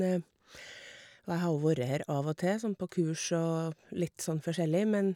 Og jeg har jo vorre her av og til sånn på kurs og litt sånn forskjellig, men...